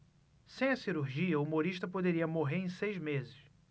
sem a cirurgia humorista poderia morrer em seis meses